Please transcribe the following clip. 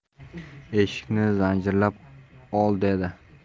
eshikni zanjirlab ol dedi